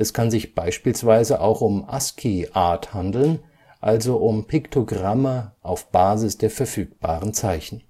kann sich beispielsweise auch um ASCII-Art handeln, also um Piktogramme auf Basis der verfügbaren Zeichen